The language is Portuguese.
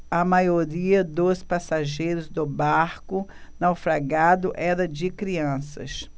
a maioria dos passageiros do barco naufragado era de crianças